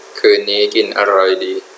คืนนี้กินอะไรดี